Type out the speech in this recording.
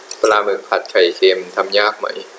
ปลาหมึกผัดไข่เค็มทำยากไหม